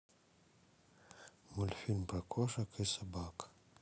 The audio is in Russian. мультфильм про кошек и собак